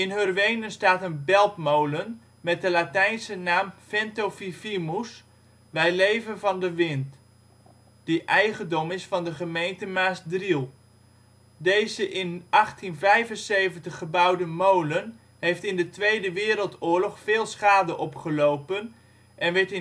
Hurwenen staat een beltmolen met de Latijnse naam ' Vento Vivimus ' (Wij leven van de wind), die eigendom is van de gemeente Maasdriel. Deze in 1875 gebouwde molen heeft in de Tweede Wereldoorlog veel schade opgelopen en werd